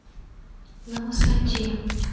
на высоте